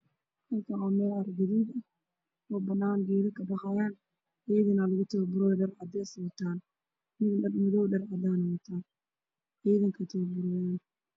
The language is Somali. Meeshaan waa meel caro gaduud ah oo ciidan lagu tababaraayo